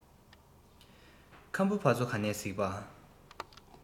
ཁམ བུ ཕ ཚོ ག ནས གཟིགས པ